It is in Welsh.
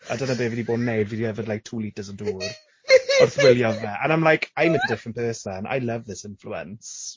A dyna be fi di bod yn wneud, fi 'di yfed like two litres o dŵr wrth wylio fe. And I'm like I'm a different person. I love this influence.